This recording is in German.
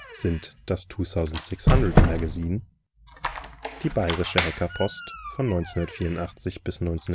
2600-Magazin Bayrische Hackerpost (1984 bis 1987